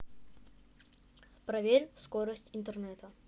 проверь скорость интернета